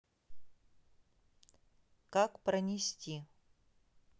как пронести